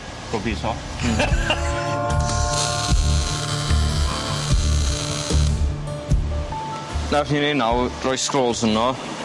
Gobitho. Hmm. Nawr ti neud nawr droi sgrols arno.